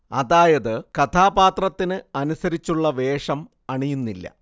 അതായത് കഥാപാത്രത്തിനു അനുസരിച്ചുള്ള വേഷം അണിയുന്നില്ല